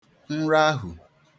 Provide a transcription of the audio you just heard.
nrahù